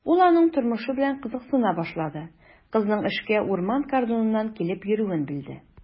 Ул аның тормышы белән кызыксына башлады, кызның эшкә урман кордоныннан килеп йөрүен белде.